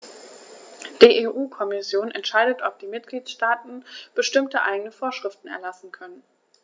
Die EU-Kommission entscheidet, ob die Mitgliedstaaten bestimmte eigene Vorschriften erlassen können.